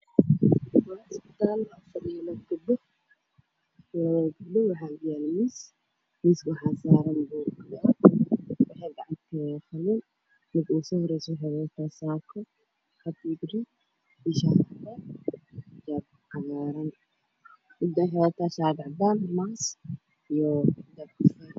Waa isbitaal xeebaha waxaa fadhiya laba gabdhood waxay wataa xijaab qaxwi ah mid waxay wataa shati caddaan computer ayaa hor yaalla kursi ayey ku fadhiyaan waa caddaan